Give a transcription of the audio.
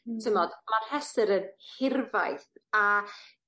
T'mod ma'r rhestyr yn hirfaeth a